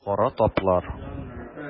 Кара таплар.